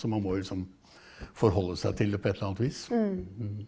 så man må jo liksom forholde seg til det på et eller annet vis.